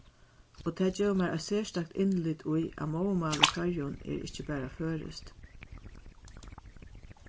og tað gevur mær eitt serstakt innlit í at móðurmál í føroyum er ikki bara føroyskt